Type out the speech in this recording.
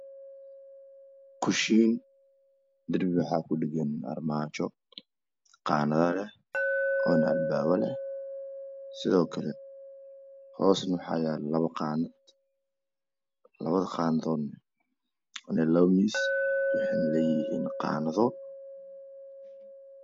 Kushiin darbiga waxaa kudhagan armaajo qaanado leh oo na albaabo leh sidoo kale hoosna waxaa yaalo labo qaanad labo miis waxay leeyihiin qaanado.